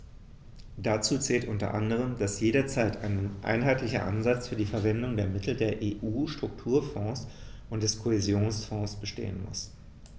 Dazu zählt u. a., dass jederzeit ein einheitlicher Ansatz für die Verwendung der Mittel der EU-Strukturfonds und des Kohäsionsfonds bestehen muss.